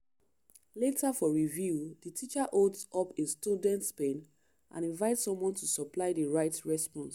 Later, for review, the teacher holds up a student’s pen and invites someone to supply the right response.